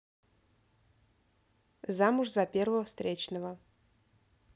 замуж за первого встречного